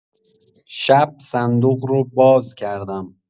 شب صندوق رو باز کردم.